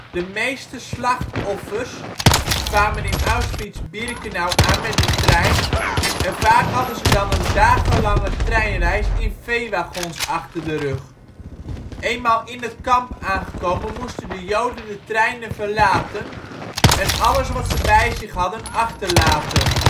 De meeste slachtoffers kwamen in Auschwitz-Birkenau aan met de trein, en vaak hadden ze dan een dagenlange treinreis in veewagons achter de rug. Eenmaal in het kamp aangekomen moesten de Joden de treinen verlaten en alles wat ze bij zich hadden achterlaten